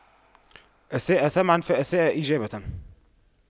أساء سمعاً فأساء إجابة